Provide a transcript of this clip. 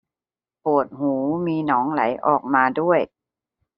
ปวดหูมีหนองไหลออกมาด้วย